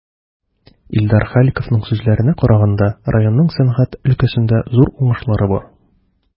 Илдар Халиковның сүзләренә караганда, районның сәнәгать өлкәсендә зур уңышлары бар.